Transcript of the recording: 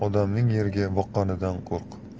odamning yerga boqqanidan qo'rq